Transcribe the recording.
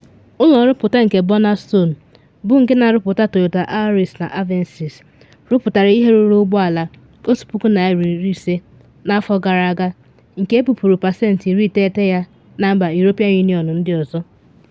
Ụlọ nrụpụta nke Burnaston - bụ nke na-arụpụta Toyota Auris na Avensis - rụpụtara ihe ruru ụgbọ ala 150,000 n’afọ gara aga nke ebupuru 90% ya na mba European Union ndị ọzọ.